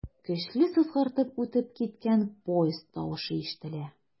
Көчле сызгыртып үтеп киткән поезд тавышы ишетелә.